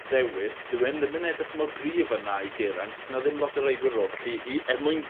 ddewis dyw e'n ddim yn edrych mor gryf â 'na i Geraint* do's 'na ddim lot o reidwyr ar ôl felly i er mwyn